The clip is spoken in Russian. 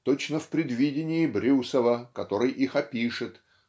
точно в предвидении Брюсова который их опишет